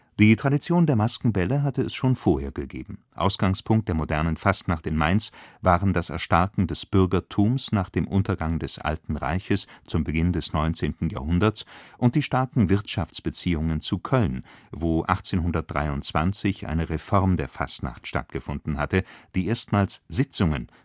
Die Tradition der Maskenbälle hatte es schon vorher gegeben. Ausgangspunkt der modernen Fastnacht in Mainz waren das Erstarken des Bürgertums nach dem Untergang des Alten Reiches zum Beginn des 19. Jahrhunderts und die starken Wirtschaftsbeziehungen zu Köln, wo 1823 eine Reform der Fastnacht stattgefunden hatte, die erstmals Sitzungen